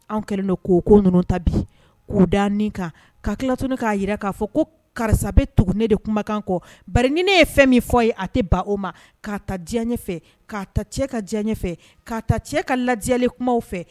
Anw kɛlen don ko ko ninnu tabi k'd kan ka tilalat ne k'a jira k'a fɔ ko karisabe tugu ne de kumakan kɔ bari ni ne ye fɛn min fɔ ye a tɛ ban o ma kaa ta diya ɲɛfɛ ka ta cɛ ka diyafɛ ka ta cɛ ka lajɛli kuma fɛ